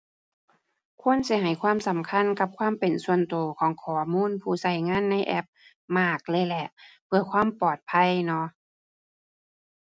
ควรสิให้ความสำคัญกับความเป็นส่วนตัวของข้อมูลผู้ตัวงานในแอปมากเลยแหละ เพื่อความปลอดภัยเนาะ